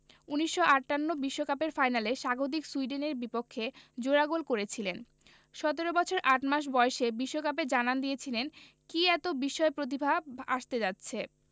১৯৫৮ বিশ্বকাপের ফাইনালে স্বাগতিক সুইডেনের বিপক্ষে জোড়া গোল করেছিলেন ১৭ বছর ৮ মাস বয়সে বিশ্বকাপে জানান দিয়েছিলেন কী এত বিস্ময় প্রতিভা আসতে যাচ্ছে